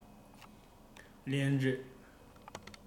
ལན རེར